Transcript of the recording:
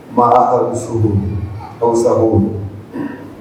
Ma awsu aw sago